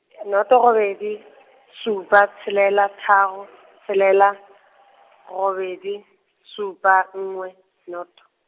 noto robedi, supa tshelela tharo, tshelela, robedi, supa, nngwe, noto.